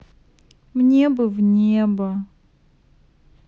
мне бы в небо